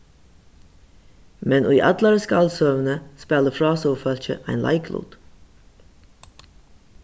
men í allari skaldsøguni spælir frásøgufólkið ein leiklut